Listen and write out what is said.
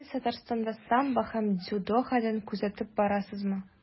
Сез Татарстанда самбо һәм дзюдо хәлен күзәтеп барасызмы?